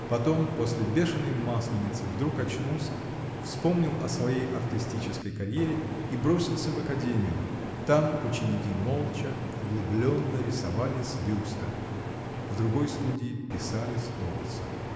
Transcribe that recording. Потом, после бешеной масленицы, вдруг очнулся, вспомнил о своей артистической карьере и бросился в академию: там ученики молча, углубленно рисовали с бюста, в другой студии писали с торса.